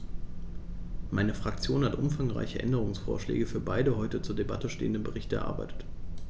Meine Fraktion hat umfangreiche Änderungsvorschläge für beide heute zur Debatte stehenden Berichte erarbeitet.